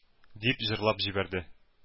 - дип җырлап җибәрде.